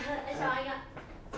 em chào anh ạ